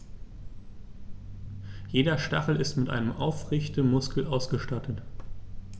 Jeder Stachel ist mit einem Aufrichtemuskel ausgestattet.